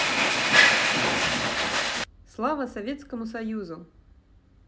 слава советскому союзу